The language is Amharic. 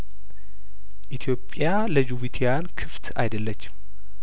ኢትዮጵያ ለጂቡቲያን ክፍት አይደለችም